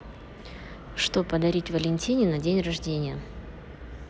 что подарить валентине на день рождения